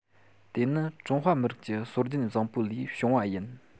དེ ནི ཀྲུང ཧྭ མི རིགས ཀྱི སྲོལ རྒྱུན བཟང པོ ལས བྱུང བ ཡིན